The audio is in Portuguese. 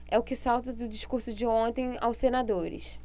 é o que salta do discurso de ontem aos senadores